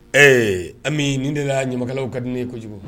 Ɛɛ Ami, nin de la ɲamakalaw ka di ne ye kojugu.